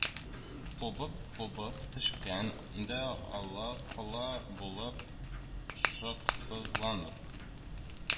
Кубып-кубып төшкән дә ала-кола булып шыксызланып